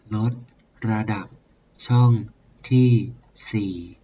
ลดระดับช่องที่สี่